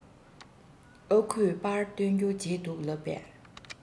ཨ ཁུས པར བཏོན རྒྱུ བརྗེད འདུག ལབ པས